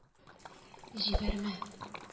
Җибәрмә...